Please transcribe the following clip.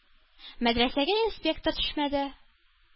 Мәдрәсәгә инспектор төшмәде.